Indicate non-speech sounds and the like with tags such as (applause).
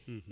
(hesitation) (hesitation)